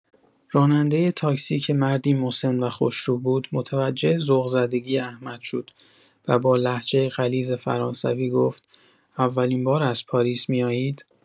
راننده تاکسی که مردی مسن و خوش‌رو بود، متوجه ذوق‌زدگی احمد شد و با لهجه غلیظ فرانسوی گفت: اولین بار است پاریس می‌آیید؟